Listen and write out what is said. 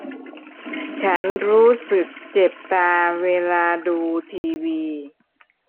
ฉันรู้สึกเจ็บตาเวลาดูทีวี